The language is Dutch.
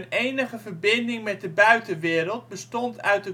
enige verbinding met de buitenwereld bestond uit